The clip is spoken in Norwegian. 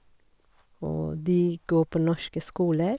Og de går på norske skoler.